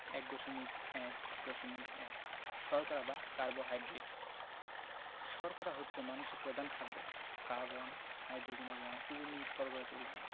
১.১.১ শর্করা বা কার্বোহাইড্রেট শর্করা হচ্ছে মানুষের প্রধান খাদ্য কার্বন হাইড্রোজেন এবং অক্সিজেন নিয়ে শর্করা তৈরি হয়